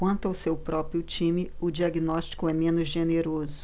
quanto ao seu próprio time o diagnóstico é menos generoso